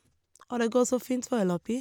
Og det går så fint foreløpig.